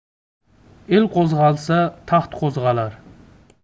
el qo'zg'alsa taxt qo'zg'alar